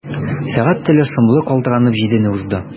Сәгать теле шомлы калтыранып җидене узды.